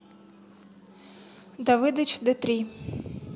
давидыч д три